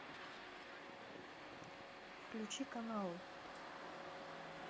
включи каналы